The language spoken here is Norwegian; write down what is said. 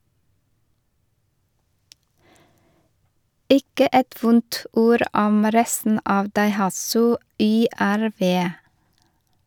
Ikke et vondt ord om resten av Daihatsu YRV.